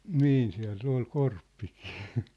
niin siellä oli Korppikin